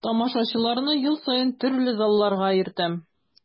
Тамашачыларны ел саен төрле залларга йөртәм.